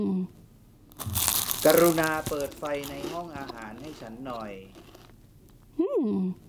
กรุณาเปิดไฟในห้องอาหารให้ฉันหน่อย